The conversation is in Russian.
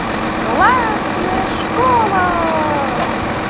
классная школа